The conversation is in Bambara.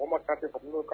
Ko ma taa ka kan